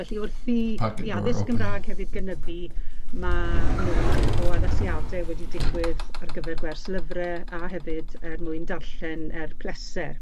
Felly wrth i i addysg Gymra'g hefyd gynyddu ma' mwy o addasiade wedi digwydd ar gyfer gwers lyfre a hefyd er mwyn darllen er pleser.